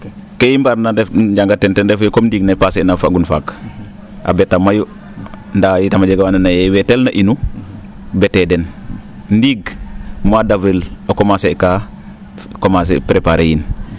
Ke i mbar na ndef njanget ten refuye comme ndiig ne passer na fagun faak a beta mayu nda itam a jega wee andoona ye wee teelna inu betee den ndiig mois d' avril a commencer kaa commencer prèparer in .